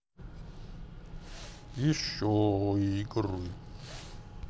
еще игры